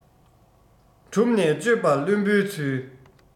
གྲུབ ནས དཔྱོད པ བླུན པོའི ཚུལ